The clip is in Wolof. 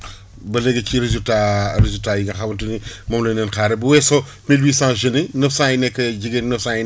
ba léegi ci résultat résultats yi nga xamante ni moom la ñu len xaaree bu weesoo mille huit jeunes yi neuf cent yi nekk jigéen neuf cent yi